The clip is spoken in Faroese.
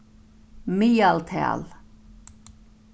miðaltal